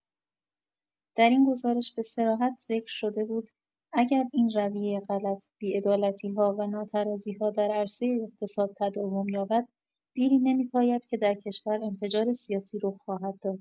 در این گزارش به صراحت ذکر شده بود اگر این رویه غلط، بی‌عدالتی‌ها و نا ترازی‌ها در عرصه اقتصاد تداوم یابد دیری نمی‌پاید که در کشور انفجار سیاسی رخ خواهد داد.